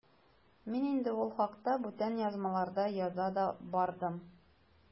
Мин инде ул хакта бүтән язмаларда яза да бардым.